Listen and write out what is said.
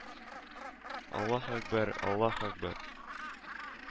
Аллаһе Әкбәр, Аллаһе Әкбәр